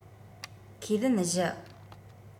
ཁས ལེན བཞི